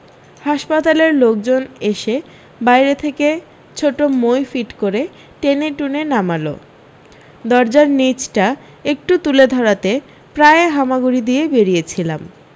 হাসপাতালের লোকজন এসে বাইরে থেকে ছোট মই ফিট করে টেনেটুনে নামালো দরজার নিঁচটা একটু তুলে ধরাতে প্রায় হামাগুড়ি দিয়ে বেরিয়েছিলাম